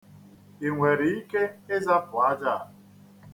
I nwere ike ịzapụ aja a?